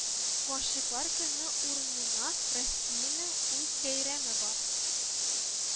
Гашыйклар көне урынына Россиянең үз бәйрәме бар